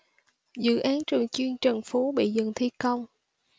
dự án trường chuyên trần phú bị dừng thi công